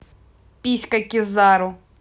писька kizaru